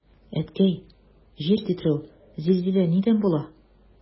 Әткәй, җир тетрәү, зилзилә нидән була?